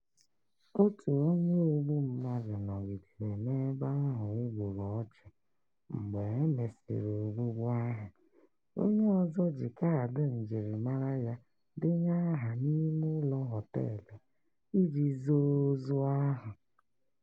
Otu onye ogbu mmadụ nọgidere n'ebe ahụ e gburu ọchụ mgbe e mesịrị ogbugbu ahụ; onye ọzọ ji kaadị njirimara ya denye aha n'imeụlọ họteelụ iji zoo ozu ahụ.